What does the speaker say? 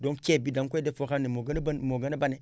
doon ceeb bi da nga koy def foo xam ne moo gën a ba moo gën a bane